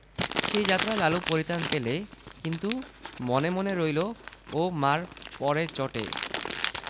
সে যাত্রা লালু পরিত্রাণ পেলে কিন্তু মনে মনে রইল ও মা'র 'পরে চটে